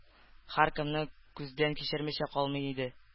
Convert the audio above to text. Һәркемне күздән кичермичә калмый иде.